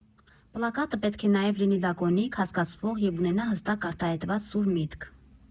Պլակատը պետք է նաև լինի լակոնիկ, հասկացվող և ունենա հստակ արտահայտված սուր միտք։